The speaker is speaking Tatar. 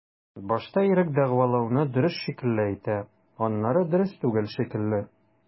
Башта ирек дәгъвалауны дөрес шикелле әйтә, аннары дөрес түгел шикелле.